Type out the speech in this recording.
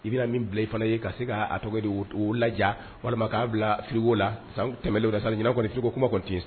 I bɛna min bila i fana ye k kaa se k kaa tɔgɔ de' lajɛ walima k'a bila filiwo la tɛmɛ ka sa kɔni fiko kuma kɔni ten yen